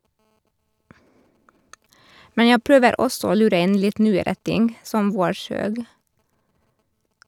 Men jeg prøver også å lure inn litt nyere ting, som "Vårsøg".